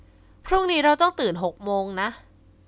พรุ่งนี้เราต้องตื่นหกโมงนะ